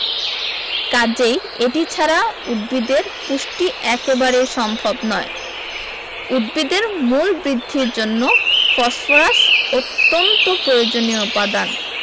কাজেই এটি ছাড়া উদ্ভিদের পুষ্টি একেবারেই সম্ভব নয় উদ্ভিদের মূল বৃদ্ধির জন্য ফসফরাস অত্যন্ত প্রয়োজনীয় উপাদান